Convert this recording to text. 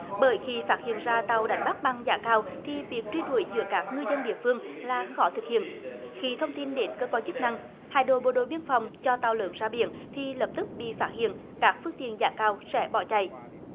bởi khi phát hiện ra tàu đánh bắt bằng giã cào thì việc truy đuổi giữa các ngư dân địa phương là khó thực hiện khi thông tin đến cơ quan chức năng hay đội bộ đội biên phòng cho tàu lớn ra biển thì lập tức bị phát hiện các phương tiện giã cào sẽ bỏ chạy